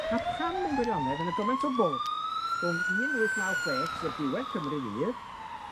A pam mewn gwirionedd o' 'na gymaint o bwlch rhwng un wyth naw chwech, sef diwedd Cymru Fydd,